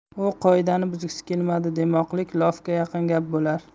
u qoidani buzgisi kelmadi demoqlik lofga yaqin gap bo'lar